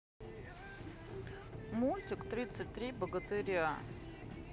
мультик тридцать три богатыря